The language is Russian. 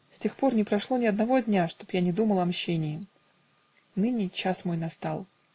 С тех пор не прошло ни одного дня, чтоб я не думал о мщении. Ныне час мой настал.